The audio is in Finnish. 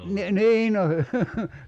niin niin no -